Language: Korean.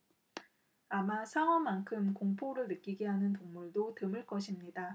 아마 상어만큼 공포를 느끼게 하는 동물도 드물 것입니다